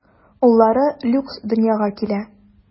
Уллары Люкс дөньяга килә.